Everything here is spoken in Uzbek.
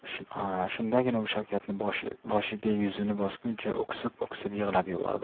shundagina u shavkatning boshiga yuzini bosgancha o'ksib o'ksib yigl'ab yubordi